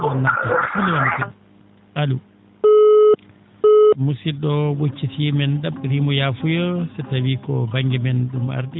bisimillama musid?o allo musid?o o ?occitiimen ?a??iriimo yaafuya so tawii ko ba?nge men ?um ardi